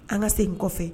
An ka segin kɔfɛ.